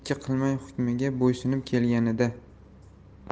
ikki qilmay hukmiga bo'ysunib kelganidi